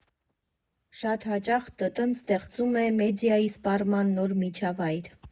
Շատ հաճախ ՏՏ֊Ն ստեղծում Է մեդիայի սպառման նոր միջավայր։